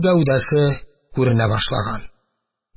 Гәүдәсе күренә башлаган.